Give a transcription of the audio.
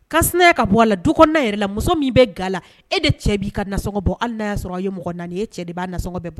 Kaya ka bɔ a la du kɔnɔna yɛrɛ la muso min bɛ gala e de cɛ b'i ka na bɔ hali n y'a sɔrɔ a ye mɔgɔ naani ye e cɛ de b'a naɔgɔgɔ bɛ bɔ